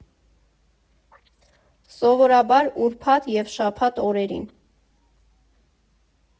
Սովորաբար ուրբաթ և շաբաթ օրերին։